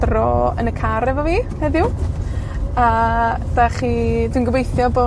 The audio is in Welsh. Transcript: dro yn y car efo fi heddiw, a 'dach chi, dwi'n gobeithio bo'